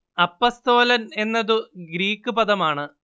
അപ്പസ്തോലൻ എന്നതു ഗ്രീക്കു പദമാണ്